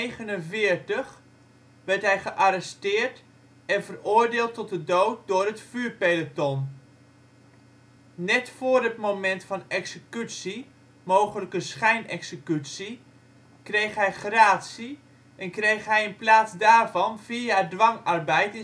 genoteerd. Op 23 april 1849 werd hij gearresteerd en veroordeeld tot de dood door het vuurpeloton. Net voor het moment van executie (mogelijk een schijnexecutie) kreeg hij gratie en kreeg hij in plaats daarvan vier jaar dwangarbeid